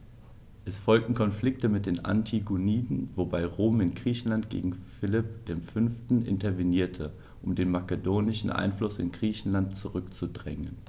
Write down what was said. Es folgten Konflikte mit den Antigoniden, wobei Rom in Griechenland gegen Philipp V. intervenierte, um den makedonischen Einfluss in Griechenland zurückzudrängen.